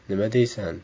nima deysan